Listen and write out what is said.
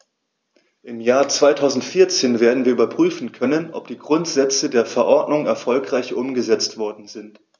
Im Jahr 2014 werden wir überprüfen können, ob die Grundsätze der Verordnung erfolgreich umgesetzt worden sind.